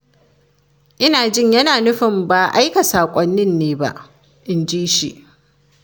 “Ina jin yana nufi ba a aika sakonni ne ba,” inji shi.